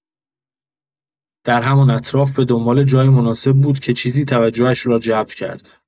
در همان اطراف به‌دنبال جای مناسب بود که چیزی توجه‌اش را جلب کرد.